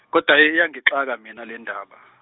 kodwa he e iyangixaka mina lendaba.